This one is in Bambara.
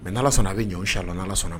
Mais n'Ala sɔnna a bɛ ɲɛ o inchala n'Ala sɔnna